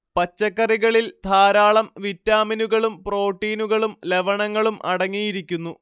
പച്ചക്കറികളിൽ ധാരാളം വിറ്റാമിനുകളും പ്രോട്ടീനുകളും ലവണങ്ങളും അടങ്ങിയിരിക്കുന്നു